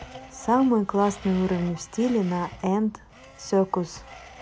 самые классные уровни в стиле на and circus